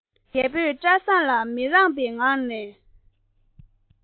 རྒད པོས བཀྲ བཟང ལ མི རངས པའི ངང ནས